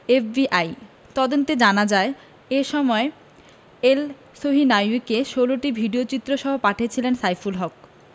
FBI তদন্তে জানা যায় এ সময় এলসহিনাউয়িকে ১৬টি ভিডিওচিত্র পাঠিয়েছিলেন সাইফুল হক